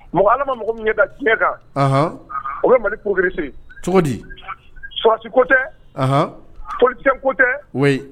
Mɔgɔ ala ma mɔgɔ min kɛ da diɲɛ kan u bɛ mali koerese cogo di fasi ko tɛ pte ko tɛ